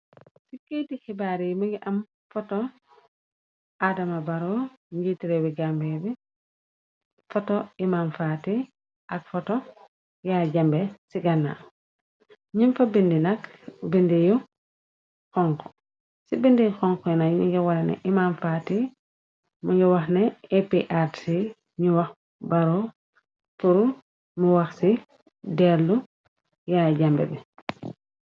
Ci keyti xibaar yi mongi am foto Adama Barrow njiit reewi Gambia bi foto Imam Fatty ak foto Yaay Jammeh ci ganaw nyung fa binda nak binda yu xoxu si binda yu xonxu yi nak mongi wone ne Imam Fatty mongi wax ne APRC ñu wax Barrow pur mu wax ci dellu Yaya Jammeh bi.